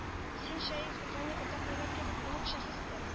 Син шәех рухани атакайлар кебек олуг шәхестер